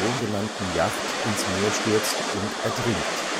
genannten Yacht ins Meer stürzt und ertrinkt